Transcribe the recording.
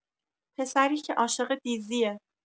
پسری که عاشق دیزیه